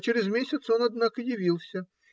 Через месяц он, однако, явился.